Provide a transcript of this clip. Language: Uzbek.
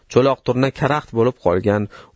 cho'loq turna karaxt bo'lib qolgan